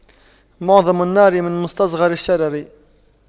معظم النار من مستصغر الشرر